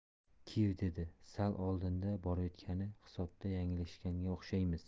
kiv dedi sal oldinda borayotgani hisobda yanglishganga o'xshaymiz